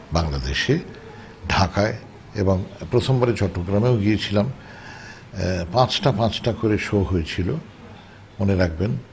বাংলাদেশে ঢাকায় এবং প্রথমবারে চট্টগ্রামে গিয়েছিলাম ৫ টা ৫ টা করে সো হয়েছিল মনে রাখবেন